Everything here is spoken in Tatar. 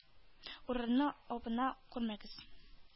Урынына абына күрмәгез.